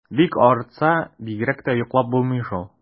Бик арытса, бигрәк тә йоклап булмый шул.